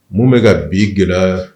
Mun bɛ ka bi gɛlɛya